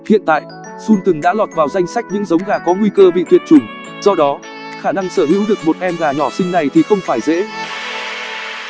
hiện tại sultan đã lọt vào danh sách những giống gà có nguy cơ bị tuyệt chủng do đó khả năng sở hữu được một em gà nhỏ xinh này thì không phải dễ